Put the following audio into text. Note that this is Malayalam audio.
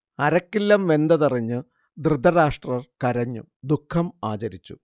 അരക്കില്ലം വെന്തതറിഞ്ഞ് ധൃതരാഷ്ട്രർ കരഞ്ഞു; ദുഃഖം ആചരിച്ചു